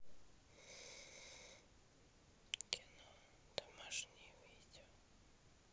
кино домашнее видео